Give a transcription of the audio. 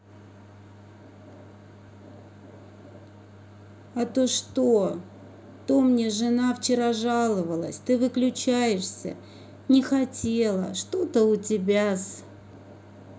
а то что то мне жена вчера жаловалась ты выключаться не хотела что то у тебя с